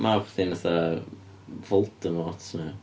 mab chdi'n fatha Voldemort, neu...